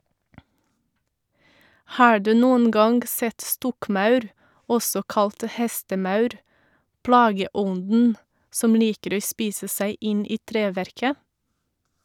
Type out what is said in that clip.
Har du noen gang sett stokkmaur, også kalt hestemaur, plageånden som liker å spise seg inn i treverket?